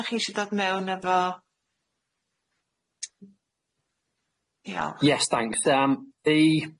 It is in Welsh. Dach chi isio dod mewn efo? Ia Yes thanks yym the